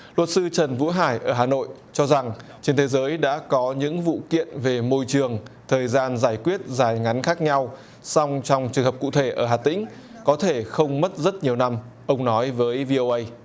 luật sư trần vũ hải ở hà nội cho rằng trên thế giới đã có những vụ kiện về môi trường thời gian giải quyết dài ngắn khác nhau song trong trường hợp cụ thể ở hà tĩnh có thể không mất rất nhiều năm ông nói với vi âu ây